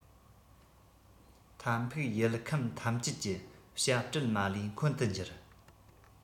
མཐའ ཕུགས ཡུལ ཁམས ཐམས ཅད ཀྱི བྱ སྤྲེལ མ ལུས འཁོན དུ གྱུར